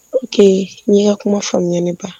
Ɲɛ kuma faamuya neba